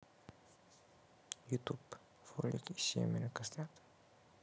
ютуб волк и семеро козлят